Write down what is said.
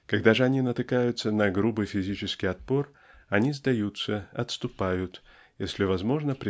Когда же они натыкаются на грубый физический отпор они сдаются отступают если возможно